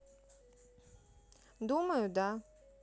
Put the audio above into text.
думаю да